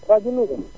rajo Louga